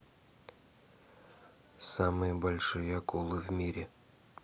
самые большие акулы в мире